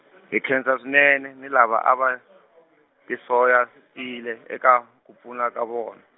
hi nkhensa swinene ni lava a va, tisoyasitile- eka, ku pfuna ka vona.